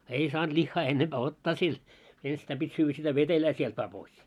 ei saanut lihaa ennempää ottaa sillä ennestään piti syödä sitä vetelää sieltä vain pois